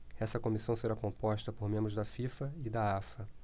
essa comissão será composta por membros da fifa e da afa